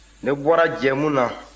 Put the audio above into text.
ne bɔra jɛmu na